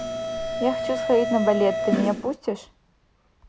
я хочу сходить на балет ты меня пустишь